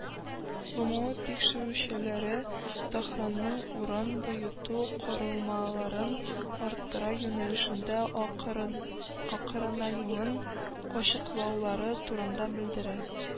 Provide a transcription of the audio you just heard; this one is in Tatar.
БМО тикшерүчеләре Тәһранның уран баету корылмаларын арттыру юнәлешендә акырынаюын ачыклаулары турыда белдерә